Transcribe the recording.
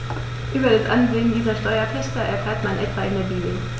Über das Ansehen dieser Steuerpächter erfährt man etwa in der Bibel.